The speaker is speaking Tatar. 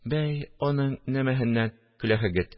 Бәй, уның нәмәһеннән көләһегед